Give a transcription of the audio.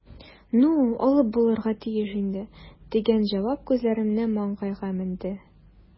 "ну, алып булырга тиеш инде", – дигән җавап күзләремне маңгайга менгерде.